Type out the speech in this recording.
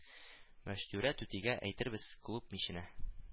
Мәчтүрә түтигә әйтербез клуб миченә